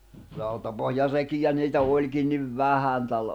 rautapohjarekiä niitä olikin niin vähän täällä